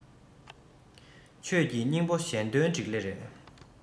ཆོས ཀྱི སྙིང པོ གཞན དོན འགྲིག ལེ རེད